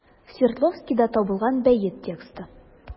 Свердловскида табылган бәет тексты.